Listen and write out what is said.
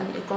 consan